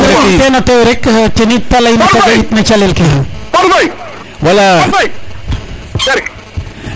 i coxe in o tew rek te leya on nete ga it na calel ke